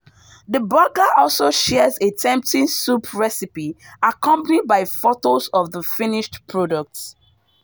The blogger also shares a tempting soup recipe accompanied by photos of the finished product.